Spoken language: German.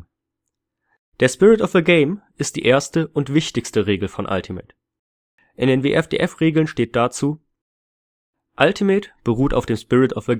Der Spirit of the Game ist die erste und wichtigste Regel von Ultimate. In den WFDF Regeln steht dazu: „ Ultimate beruht auf dem Spirit of the Game